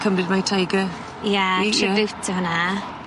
Cymryd mae tiger... Ie Trebiwt yw hwnna.